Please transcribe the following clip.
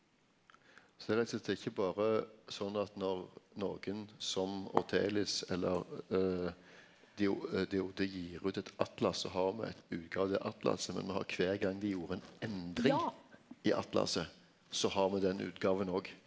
så det er rett og slett det er ikkje berre sånn at når nokon som Ortelius eller de de Jode gir ut eit atlas så har me eit utgåve av det atlaset, men me har kvar gong dei gjorde ein endring i atlaset så har me den utgåva òg.